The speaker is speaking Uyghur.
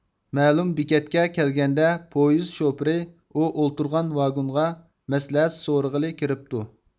مەلۇم بېكەتكە كەلگەندە پويىز شوپۇرى ئۇ ئولتۇرغان ۋاگونغا مەسلىھەت سورىغىلى كىرىپتۇ